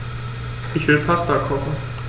Ich will Pasta kochen.